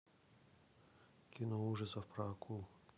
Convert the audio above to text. кино ужасов про акул